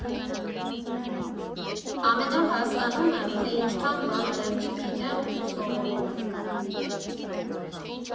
Ամեն օր հասկանում եմ, թե ինչքան բան դեռ չգիտեմ ու սովորում եմ։